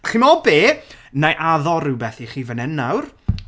Chimod be. Wna i addo rhywbeth i chi fan hyn nawr.